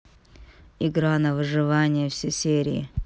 игра на выживание все серии